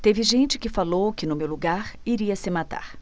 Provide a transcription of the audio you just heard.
teve gente que falou que no meu lugar iria se matar